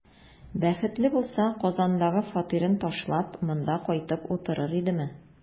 Бәхетле булса, Казандагы фатирын ташлап, монда кайтып утырыр идеме?